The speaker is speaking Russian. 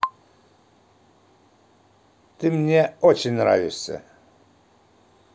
ты мне очень нравишься